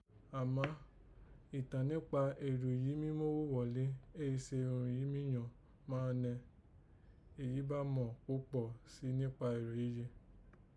Àmá, ìtàn níkpa ẹ̀rọ yìí mí móghó ghọ̀lé èé ṣe irun yìí yọ̀n má nẹ èyí ba mọ kpúkpò sí níkpa èrò yéye